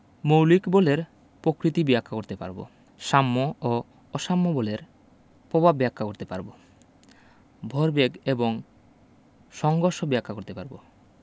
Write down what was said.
মৌলিক বলের পকৃতি ব্যাখ্যা করতে পারব সাম্য ও অসাম্য বলের পভাব ব্যাখ্যা করতে পারব ভরবেগ এবং সংঘর্ষ ব্যাখ্যা করতে পারব